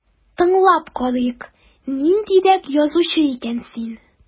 Тыңлап карыйк, ниндирәк язучы икән син...